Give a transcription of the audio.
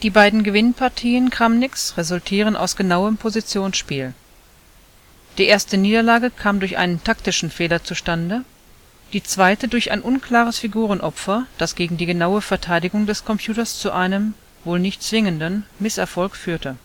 beiden Gewinnpartien Kramniks resultierten aus genauem Positionsspiel. Die erste Niederlage kam durch einen taktischen Fehler zustande, die zweite durch ein unklares Figurenopfer, das gegen die genaue Verteidigung des Computers zu einem (wohl nicht zwingenden) Misserfolg führte